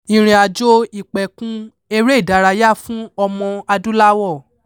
Ìrìn-àjò: Ìpẹ̀kun eré-ìdárayá fún Ọmọ-adúláwọ̀